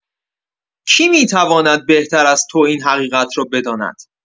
کی می‌تواند بهتر از تو این حقیقت را بداند؟